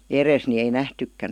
edessä niin ei nähtykään